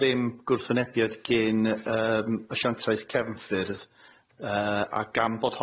ddim gwrthwynebiad gin yym asiantaeth cefnffyrdd yyy a gan bod hon